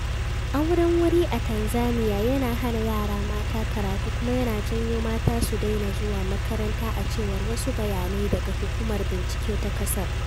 Auren wuri a Tanzaniya yana hana yara mata karatu kuma yana janyo mata su daina zuwa makaranta, a cewar wasu bayanai daga Hukumar Bincike ta ƙasar.